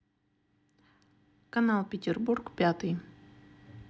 канал петербург пятый